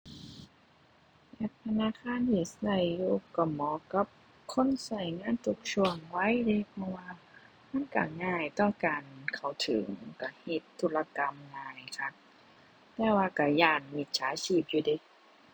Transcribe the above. แอปธนาคารที่ใช้อยู่ก็เหมาะกับคนใช้งานทุกช่วงวัยเดะ เพราะว่ามันใช้ง่ายต่อการเข้าถึง ใช้เฮ็ดธุรกรรมง่ายคัก แต่ว่าใช้ย้านมิจฉาชีพอยู่เดะ